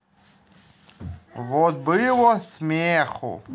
вот было смеху